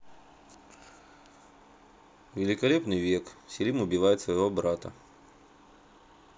великолепный век селим убивает своего брата